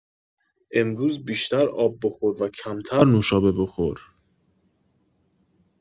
امروز بیشتر آب بخور و کمتر نوشابه بخور